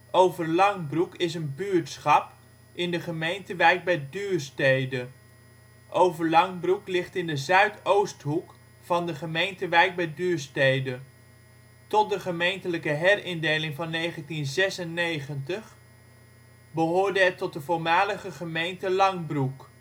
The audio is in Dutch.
Overlangbroek is een buurtschap in de gemeente Wijk bij Duurstede. Overlangbroek ligt in de Zuidoosthoek van de gemeente Wijk bij Duurstede. Tot de gemeentelijke herindeling van 1996 behoorde het tot de voormalige gemeente Langbroek